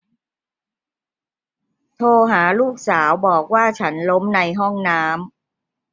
โทรหาลูกสาวบอกว่าฉันล้มในห้องน้ำ